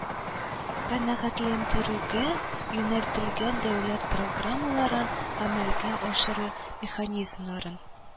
Канәгатьләндерүгә юнәлтелгән дәүләт программаларын гамәлгә ашыру механизмнарын